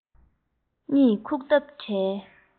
གཉིད ཁུག ཐབས བྲལ